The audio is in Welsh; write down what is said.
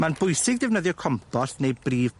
Ma'n bwysig defnyddio compost neu brif